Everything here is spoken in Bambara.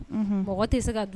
Mɔgɔ tɛ se ka dun